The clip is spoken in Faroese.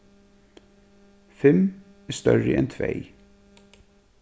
fimm er størri enn tvey